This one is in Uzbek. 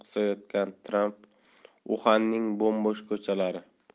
qisayotgan tramp uxanning bo'm bo'sh ko'chalari